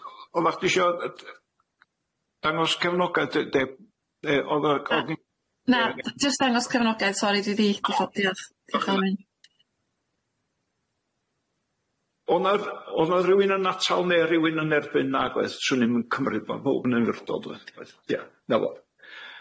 O'dda chdi sho yy d- yy dangos cefnogaeth de- de- ne' o'dd y g- o'dd... Na, jyst dangos cefnogaeth sori dwi di diffodd diolch diolch... O'dd na'r o'dd 'na rywun yn atal ne' rywun yn erbyn nagoedd 'swn i'm yn cymryd ma powb yn unfrydol dydy doedd iawn 'na fo.